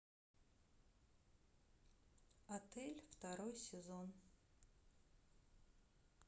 отель второй сезон